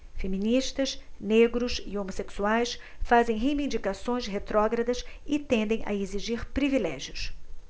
feministas negros e homossexuais fazem reivindicações retrógradas e tendem a exigir privilégios